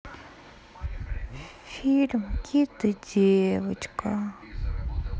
фильм кит и девочка